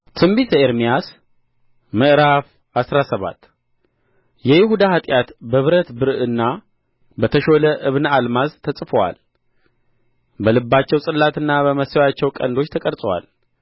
ትንቢተ ኤርምያስ ምዕራፍ አስራ ሰባት የይሁዳ ኃጢአት በብረት ብርዕና በተሾለ ዕብነ አልማዝ ተጽፎአል በልባቸው ጽላትና በመሠዊያቸው ቀንዶች ተቀርጾአል